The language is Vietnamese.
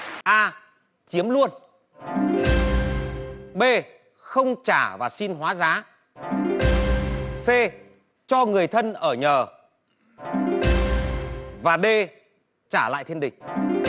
a chiếm luôn bê không trả và xin hóa giá xê cho người thân ở nhờ và đê trả lại thiên đình